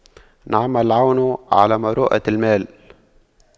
نعم العون على المروءة المال